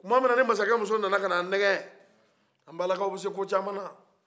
tuma min ni masakɛmuso nana ka na a nɛgɛ anw balakw bɛ se kocama na